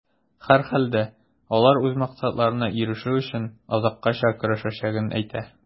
Һәрхәлдә, алар үз максатларына ирешү өчен, азаккача көрәшәчәген әйтә.